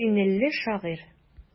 Шинельле шагыйрь.